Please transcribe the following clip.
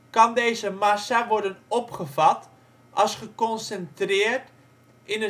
kan deze massa worden opgevat als geconcentreerd in